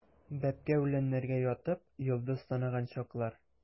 Бәбкә үләннәргә ятып, йолдыз санаган чаклар.